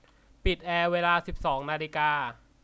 ปิดแอร์เวลาสิบสองนาฬิกา